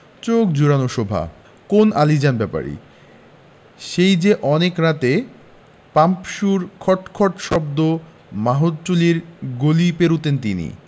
চোখ জুড়োনো শোভা কোন আলীজান ব্যাপারী সেই যে অনেক রাতে পাম্পসুর খট খট শব্দ মাহুতটুলির গলি পেরুতেন তিনি